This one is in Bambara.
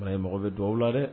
ye mɔgɔ bɛ dugawu la dɛ